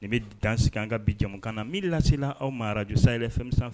Nin bɛ dan sigi an ka bijakan na milala aw maraj say fɛnmi sanfɛ fɛ